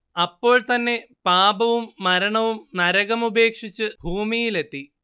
അപ്പോൾ തന്നെ പാപവും മരണവും നരകം ഉപേക്ഷിച്ച് ഭൂമിയിലെത്തി